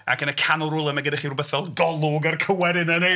Ac yn y canol rywle mae gennych chi rywbeth fel Golwg a'r cywair yna neu...